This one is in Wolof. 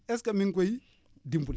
est ce que mi ngi koy dimbali